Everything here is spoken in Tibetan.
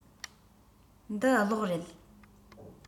འདི གློག རེད